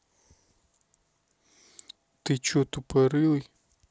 ты че тупорылый